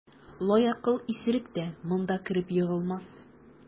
Лаякыл исерек тә монда кереп егылмас.